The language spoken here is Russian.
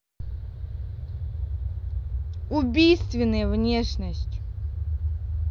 убийственная внешность